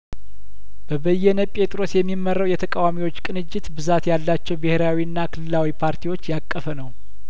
በበየነ ጴጥሮስ የሚመራው የተቃዋሚዎች ቅንጅት ብዛት ያላቸው ብሄራዊና ክልላዊ ፓርቲዎች ያቀፈ ነው